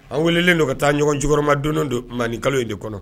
An welelen ka taa nɔgɔn jukɔrɔmadondon don ma nin kalo in de kɔnɔ